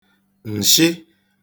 ǹshị